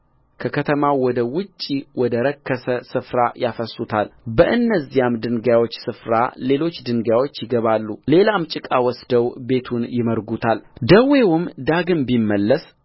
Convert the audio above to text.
ከከተማው ወደ ውጭ ወደ ረከሰ ስፍራ ያፈስሱታልበእነዚያም ድንጋዮች ስፍራ ሌሎች ድንጋዮች ያገባሉ ሌላም ጭቃ ወስደው ቤቱን ይመርጉታልደዌውም ዳግም ቢመለስ